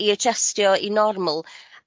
i adjystio i norml